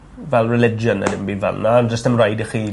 fel religion na dim byd fel 'na ond do's dim raid i chi...